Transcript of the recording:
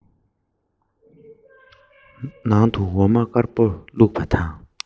ནང དུ འོ མ དཀར པོ བླུགས པ དང